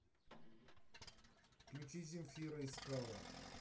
включи земфира искала